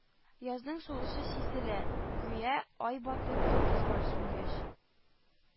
Язның сулышы сизелә, гүя ай батып, йолдызлар сүнгәч